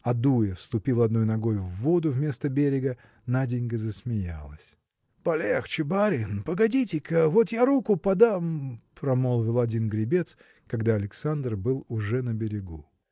Адуев ступил одной ногой в воду вместо берега. Наденька засмеялась. – Полегче барин погодите-ка вот я руку подам – промолвил один гребец когда Александр был уже на берегу.